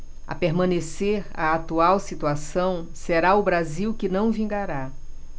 a permanecer a atual situação será o brasil que não vingará